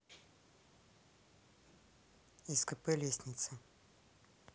scp лестница